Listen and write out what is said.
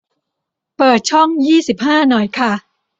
เปิดช่องยี่สิบห้าหน่อยคะ